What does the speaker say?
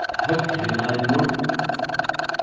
høgri armur